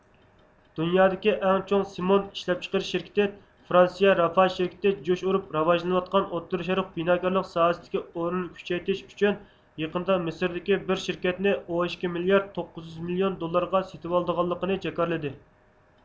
دۇنيادىكى ئەڭ چوڭ سېمونت ئىشلەپچىقىرىش شىركىتى فرانسىيە رافاج شىركىتى جۇش ئۇرۇپ راۋاجلىنىۋاتقان ئوتتۇرا شەرق بىناكارلىق ساھەسىدىكى ئورنىنى كۈچەيتىش ئۈچۈن يېقىندا مىسىردىكى بىر شىركەتنى ئون ئىككى مىليارد توققۇز يۈز مىليون دوللارغا سېتىۋالىدىغانلىقىنى جاكارلىدى